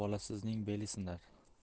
bolasizning beli sinar